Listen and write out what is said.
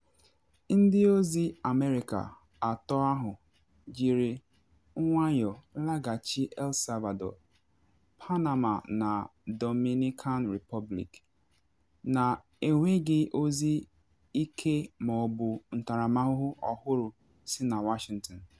Ndị ozi America atọ ahụ jiri nwayọ laghachi El Salvador, Panama na Dominican Republic na enweghị ozi ike ma ọ bụ ntaramahụhụ ọhụrụ si na Washington.